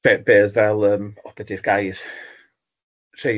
be- be- fel yym be di'r gair, rhei o symptoma?